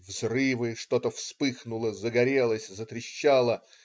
Взрывы,- что-то вспыхнуло, загорелось, затрещало.